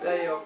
day yokk